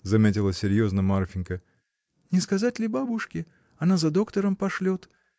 — заметила серьезно Марфинька, — не сказать ли бабушке? Она за доктором пошлет.